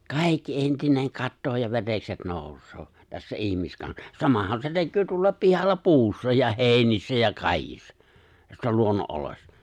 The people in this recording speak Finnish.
kaikki entinen katoaa ja verekset nousee tässä - ihmiskansa se näkyy tuollakin pihalla puussa ja heinissä ja kaikissa tässä luonnonoloissa